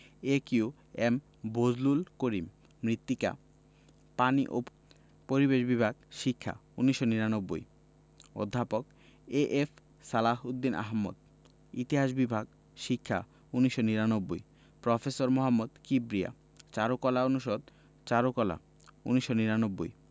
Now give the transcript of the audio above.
এ Q M Bazlul Karim মৃত্তিকা পানি ও পরিবেশ বিভাগ শিক্ষা ১৯৯৯ অধ্যাপক এ.এফ সালাহ উদ্দিন আহমদ ইতিহাস বিভাগ শিক্ষা ১৯৯৯ প্রফেসর মোহাম্মদ কিবরিয়া চারুকলা অনুষদ চারুকলা ১৯৯৯